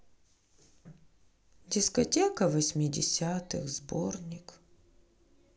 дискотека восьмидесятых сборник